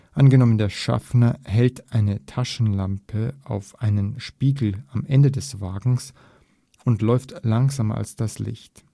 Angenommen der Schaffner hält eine Taschenlampe auf einen Spiegel am Ende des Wagens und läuft langsamer als das Licht